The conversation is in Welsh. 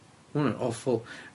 Ma' wnna'n awful.